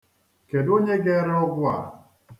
Kedụ onye ga-ere ọgwụ a?